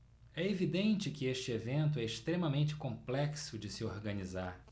é evidente que este evento é extremamente complexo de se organizar